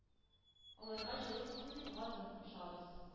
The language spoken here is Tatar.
Аларга җылы булсын дип, газын кушабыз.